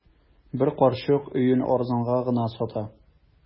Бер карчык өен арзанга гына сата.